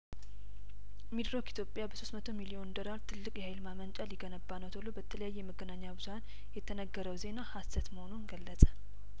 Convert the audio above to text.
ሚድሮክ ኢትዮጵያ በሶስት መቶ ሚሊዮን ዶላር ትልቅ የሀይል ማመንጫ ሊገነባ ነው ተብሎ በተለያየመገናኛ ብዙሀን የተነገረው ዜና ሀሰት መሆኑን ገለጸ